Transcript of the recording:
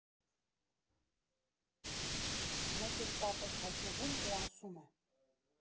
Մեկ էլ պապս հայտնվում ու ասում է.